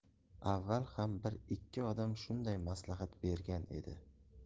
avval ham bir ikki odam shunday maslahat bergan edi